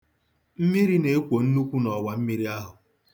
Mmmiri na-ekwo nnukwu n'ọwammiri ahụ.